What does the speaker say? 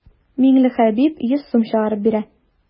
Миңлехәбиб йөз сум чыгарып бирә.